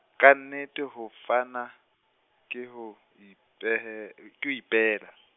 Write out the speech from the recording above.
ka nnete ho fana, ke ho ipehe , ke ho ipeela.